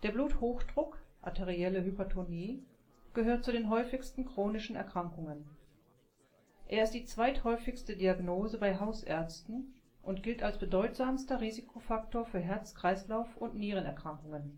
Bluthochdruck (arterielle Hypertonie) gehört zu den häufigsten chronischen Erkrankungen. Er ist die zweithäufigste Diagnose bei Hausärzten und gilt als bedeutsamster Risikofaktor für Herz-Kreislauf - und Nierenerkrankungen